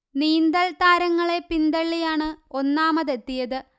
നീന്തല് താരങ്ങളെ പിന്തള്ളിയാണ് ഒന്നാമതെത്തിയത്